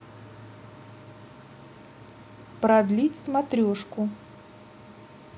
продлить смотрешку